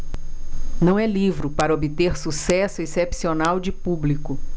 não é livro para obter sucesso excepcional de público